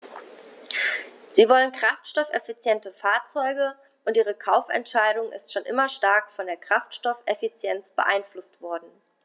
Sie wollen kraftstoffeffiziente Fahrzeuge, und ihre Kaufentscheidung ist schon immer stark von der Kraftstoffeffizienz beeinflusst worden.